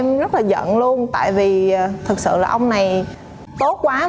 em rất là giận luôn tại vì thực sự là ông này tốt quá mà